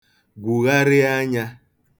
gwùgharị anyā